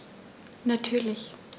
Natürlich.